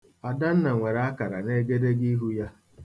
Adanna nwere akara n'egedegeihu ya.